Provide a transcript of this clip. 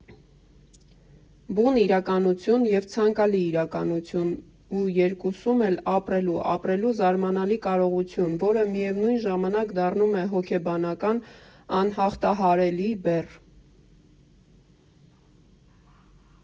Բուն իրականություն և ցանկալի իրականություն, ու երկուսում էլ ապրելու ապրելու զարմանալի կարողություն, որը միևնույն ժամանակ դառնում է հոգեբանական անհաղթահարելի բեռ։